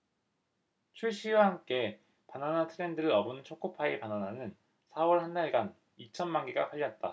출시와 함께 바나나 트렌드를 업은 초코파이 바나나는 사 월 한 달간 이천 만개가 팔렸다